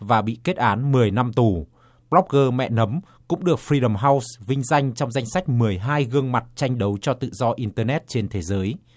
và bị kết án mười năm tù lốc gơ mẹ nấm cũng được ri đồm hao vinh danh trong danh sách mười hai gương mặt tranh đấu cho tự do in tơ nét trên thế giới